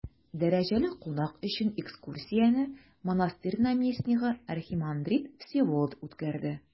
Дәрәҗәле кунак өчен экскурсияне монастырь наместнигы архимандрит Всеволод үткәрде.